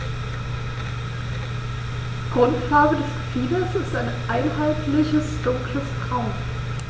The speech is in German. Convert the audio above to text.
Grundfarbe des Gefieders ist ein einheitliches dunkles Braun.